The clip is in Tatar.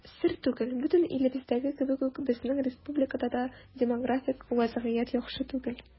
Сер түгел, бөтен илебездәге кебек үк безнең республикада да демографик вазгыять яхшы түгел.